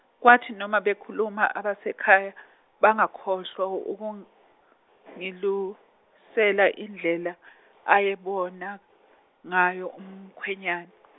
kwathi noma bekhuluma abasekhaya, bangakhohlwa ukungilungisela indlela, ayebona ngayo umkhwenyane.